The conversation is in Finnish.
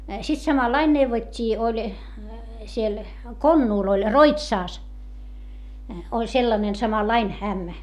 sitten samalla lailla neuvottiin oli siellä Konnulla oli Roitsassa oli sellainen samanlainen ämmä